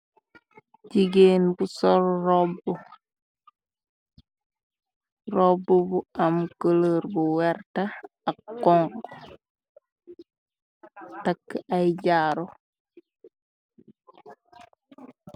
Jegain bu sol roubu roubu bu am koloor bu werta ak xonxo take aye jaaru.